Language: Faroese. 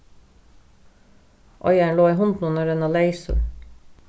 eigarin lovaði hundinum at renna leysur